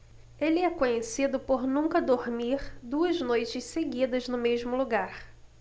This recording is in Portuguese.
ele é conhecido por nunca dormir duas noites seguidas no mesmo lugar